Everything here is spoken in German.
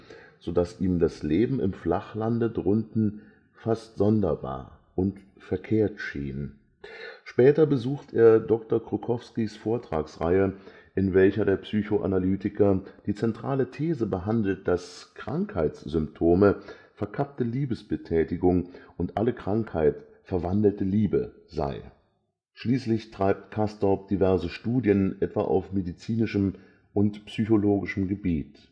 so dass ihm das Leben im Flachlande drunten (…) fast sonderbar und verkehrt erschien. “Später besucht er Dr. Krokowskis Vortragsreihe, in welcher der Psychoanalytiker die zentrale These behandelt, dass „ Krankheitssymptom (e) (…) verkappte Liebesbetätigung und alle Krankheit verwandelte Liebe “sei. Schließlich treibt Castorp diverse Studien etwa auf medizinischem und psychologischem Gebiet